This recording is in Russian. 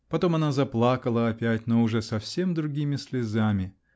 потом она заплакала опять -- но уже совсем другими слезами.